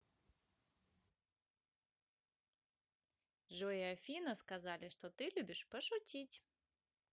джой и афина сказали что ты любишь пошутить